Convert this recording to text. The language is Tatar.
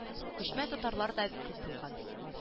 Күчмә татарлар да күп булган